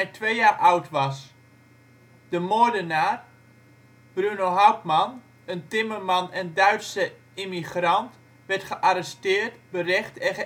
twee jaar oud was. De moordenaar, Bruno Hauptmann, een timmerman en Duitse immigrant, werd gearresteerd, berecht en